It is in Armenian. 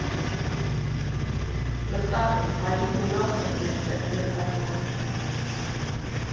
Վստահ եմ՝ հայրիկն ուրախ կլիներ տեսնել այդ օրը։